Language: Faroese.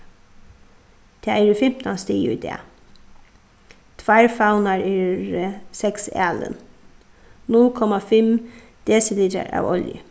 tað eru fimtan stig í dag tveir favnar eru seks alin null komma fimm desilitrar av olju